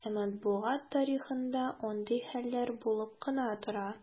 Ә матбугат тарихында андый хәлләр булып кына тора.